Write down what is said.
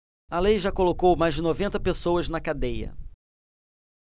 a lei já colocou mais de noventa pessoas na cadeia